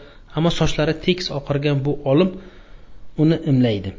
ammo sochlari tekis oqargan bu olim uni imlaydi